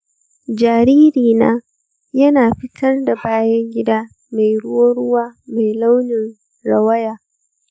jaririna yana fitar da bayan gida mai ruwa-ruwa mai launin rawaya.